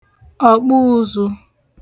ọ̀kpụụ̄zụ̄